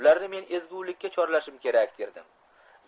ularni men ezgulikka chorlashim kerak derdim